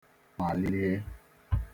maliè